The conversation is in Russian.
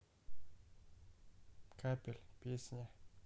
капель песня